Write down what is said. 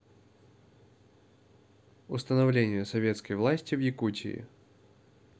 установление советской власти в якутии